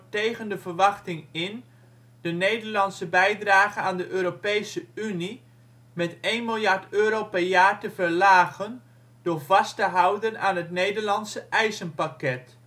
tegen de verwachting in - de Nederlandse bijdrage aan de Europese Unie met 1 miljard euro per jaar te verlagen door vast te houden aan het Nederlandse eisenpakket